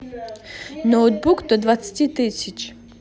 ноутбук до двадцати тысяч